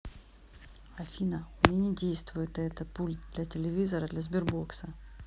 афина у меня не действует это пульт для телевизора для сбербокса